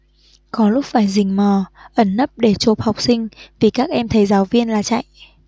có lúc phải rình mò ẩn nấp để chộp học sinh vì các em thấy giáo viên là chạy